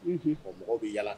Unhun o mɔgɔw bɛ yaa